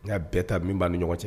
N y'a bɛɛ ta min b' ni ɲɔgɔn cɛ